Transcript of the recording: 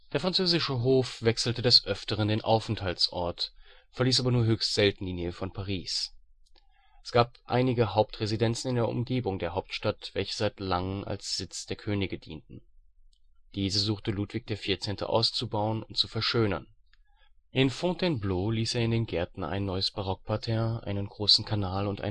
französische Hof wechselte des öfteren den Aufenthaltsort, verließ aber nur höchst selten die Nähe von Paris. Es gab einige Hauptresidenzen in der Umgebung der Hauptstadt, welche seit langen als Sitz der Könige dienten. Diese suchte Ludwig XIV. auszubauen und zu verschönern. In Fontainebleau ließ er in den Gärten ein neues Barockparterre, einen großen Kanal und